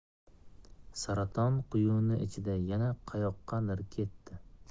saraton quyuni ichida yana qayoqqadir ketdi